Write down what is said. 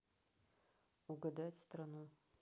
угадать страну